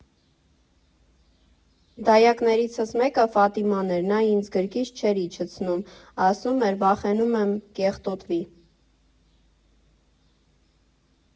Դայակներիցս մեկը Ֆաթիման էր, նա ինձ գրկից չէր իջեցնում, ասում էր՝ վախենում եմ կեղտոտվի։